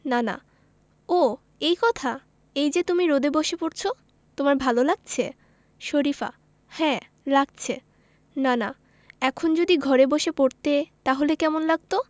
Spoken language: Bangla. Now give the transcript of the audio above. নানা ও এই কথা এই যে তুমি রোদে বসে পড়ছ তোমার ভালো লাগছে শরিফা হ্যাঁ লাগছে নানা এখন যদি ঘরে বসে পড়তে তাহলে কেমন লাগত